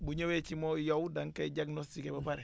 bu ñëwee ci moo yow da nga koy diagnostiqué ba pare